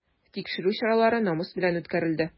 Тикшерү чаралары намус белән үткәрелде.